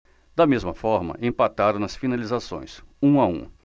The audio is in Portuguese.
da mesma forma empataram nas finalizações um a um